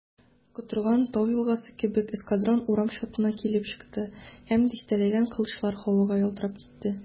Котырган тау елгасы кебек эскадрон урам чатына килеп чыкты, һәм дистәләгән кылычлар һавада ялтырап китте.